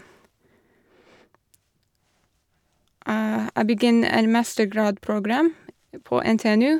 Jeg begynn en mastergradprogram på NTNU.